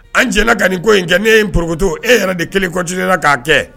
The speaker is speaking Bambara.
An jɛ la ka nin ko in kɛ ne ye poroto e yɛrɛ de kelen continuer la k'a kɛ